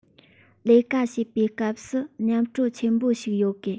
ལས ཀ བྱེད པའི སྐབས སུ ཉམས དྲོད ཆེན པོ ཞིག ཡོད དགོས